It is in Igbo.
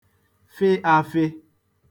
fị āfị̄